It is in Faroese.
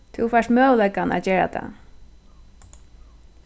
tú fært møguleikan at gera tað